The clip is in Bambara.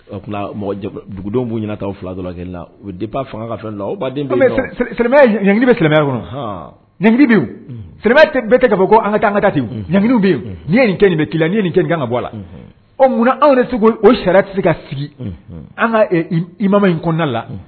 O tuma mɔgɔ dugudenw b'u ɲɛna taa fila dɔ kelen la de' fanga ka fɛn lag bɛya kɔnɔg bɛ bɛɛ tɛ ka bɔ ko an ka an ka ten ɲg bɛ yen kɛ bɛ ki la nin kɛ kan ka bɔ la o munna anw de to o sariya tɛ se ka sigi an ka i mama in kɔnɔna la